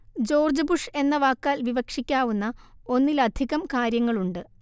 George Bush എന്ന വാക്കാല്‍ വിവക്ഷിക്കാവുന്ന ഒന്നിലധികം കാര്യങ്ങളുണ്ട്